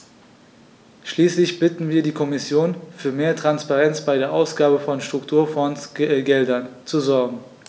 Schließlich bitten wir die Kommission, für mehr Transparenz bei der Ausgabe von Strukturfondsgeldern zu sorgen.